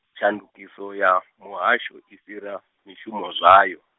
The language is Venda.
tshandukiso ya, muhasho , i fhira, mishumo zwayo.